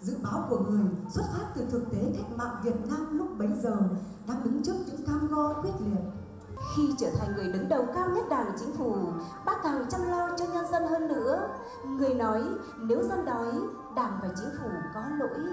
dự báo của người xuất phát từ thực tế cách mạng việt nam lúc bấy giờ đang đứng trước những cam go quyết liệt khi trở thành người đứng đầu cao nhất đảng và chính phủ bác càng chăm lo cho nhân dân hơn nữa người nói nếu dân đói đảng và chính phủ có lỗi